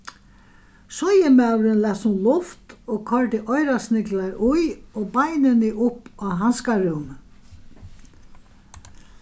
síðumaðurin lat sum luft og koyrdi oyrasniglar í og beinini upp á handskarúmið